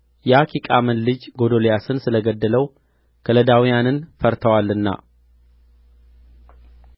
የአኪቃምን ልጅ ጎዶልያስን ስለ ገደለው ከለዳውያንን ፈርተዋልና